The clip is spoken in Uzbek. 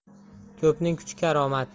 ko'pning kuchi karomat